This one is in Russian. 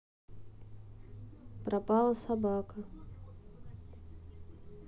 пропала собака